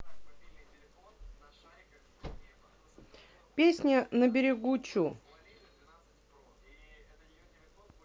песня на берегу чу